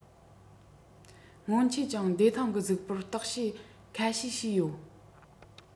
སྔོན ཆད གྱང བདེ ཐང གི གཟུགས པོར བརྟག དཔྱད ཁ ཤས བྱོས ཡོད